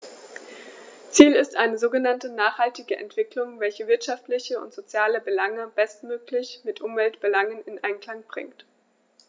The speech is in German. Ziel ist eine sogenannte nachhaltige Entwicklung, welche wirtschaftliche und soziale Belange bestmöglich mit Umweltbelangen in Einklang bringt.